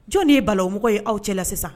Jɔnni de ye balawumɔgɔ ye aw cɛla sisan?